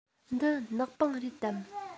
འདི ནག པང རེད དམ